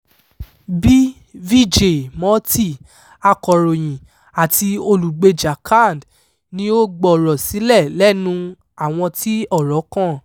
B. Vijay Murty, akọ̀ròyìn àti olùgbé Jharkhand ni ó gbọ̀rọ̀ sílẹ̀ lẹ́nu àwọn tí ọ̀rọ́ kàn.